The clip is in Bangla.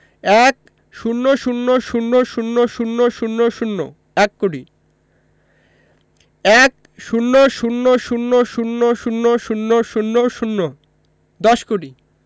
১০০০০০০০ এক কোটি ১০০০০০০০০ দশ কোটি